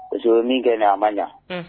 O min kɛ a ma ɲɛ